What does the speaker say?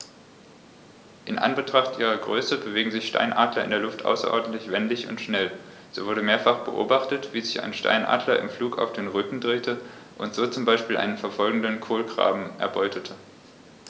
In Anbetracht ihrer Größe bewegen sich Steinadler in der Luft außerordentlich wendig und schnell, so wurde mehrfach beobachtet, wie sich ein Steinadler im Flug auf den Rücken drehte und so zum Beispiel einen verfolgenden Kolkraben erbeutete.